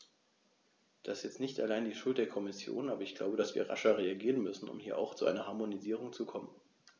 Das ist jetzt nicht allein die Schuld der Kommission, aber ich glaube, dass wir rascher reagieren müssen, um hier auch zu einer Harmonisierung zu kommen.